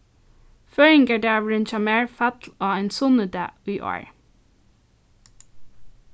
føðingardagurin hjá mær fall á ein sunnudag í ár